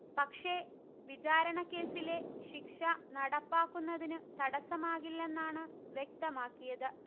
പക്ഷേ വിചാരണ കേസിലെ ശിക്ഷ നടപ്പാക്കുന്നതിനു തടസ്സമാകില്ലെന്നാണ് വ്യക്തമാക്കിയത്